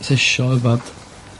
Sessio yfad.